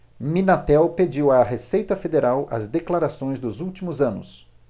minatel pediu à receita federal as declarações dos últimos anos